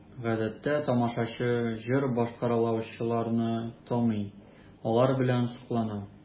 Гадәттә тамашачы җыр башкаручыларны таный, алар белән соклана.